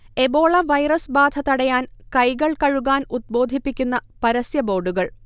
Ebola virus ബാധ തടയാൻ കൈകൾ കഴുകാൻ ഉദ്ബോധിപ്പിക്കുന്ന പരസ്യ ബോർഡുകൾ